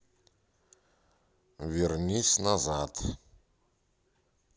вернись назад